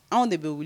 Anw de bɛ wuli